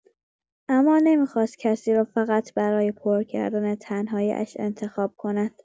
اما نمی‌خواست کسی را فقط برای پر کردن تنهایی‌اش انتخاب کند.